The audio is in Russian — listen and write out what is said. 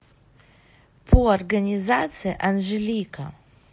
no организация анжелика